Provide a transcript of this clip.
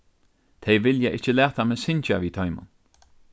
tey vilja ikki lata meg syngja við teimum